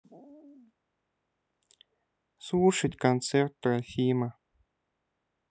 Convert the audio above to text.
слушать концерт трофима